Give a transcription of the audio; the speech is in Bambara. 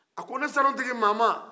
a ko ne sanutigi mama